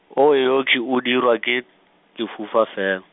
o yokhwi o dirwa ke, ke fofa fel-.